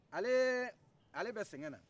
ale bɛ sɛgɛn na